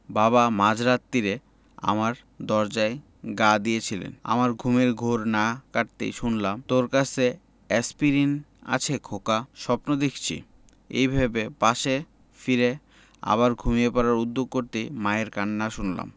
বাবা মাঝ রাত্তিরে আমার দরজায় ঘা দিয়েছিলেন আমার ঘুমের ঘোর না কাটতেই শুনলাম তোর কাছে এ্যাসপিরিন আছে খোকা স্বপ্ন দেখছি এই ভেবে পাশে ফিরে আবার ঘুমিয়ে পড়ার উদ্যোগ করতেই মায়ের কান্না শুনলাম